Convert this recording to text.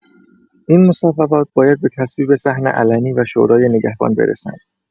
این مصوبات باید به تصویب صحن علنی و شورای نگهبان برسند.